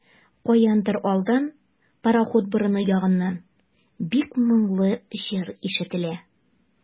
Каяндыр алдан, пароход борыны ягыннан, бик моңлы җыр ишетелә.